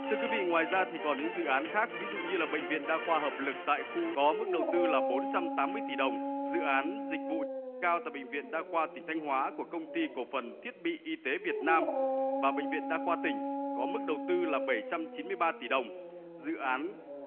thưa quý vị ngoài ra thì còn những dự án khác ví dụ như là bệnh viện đa khoa hợp lực tại khu có mức đầu tư là bốn trăm tám mươi tỷ đồng dự án dịch vụ cao tại bệnh viện đa khoa tỉnh thanh hóa của công ty cổ phần thiết bị y tế việt nam và bệnh viện đa khoa tỉnh có mức đầu tư là bảy trăm chín mươi ba tỷ đồng dự án